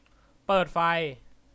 เปิดไฟ